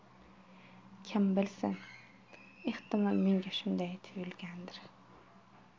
kim bilsin ehtimol menga shunday tuyulgandir